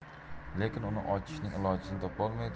lekin uni ochishning ilojini topolmay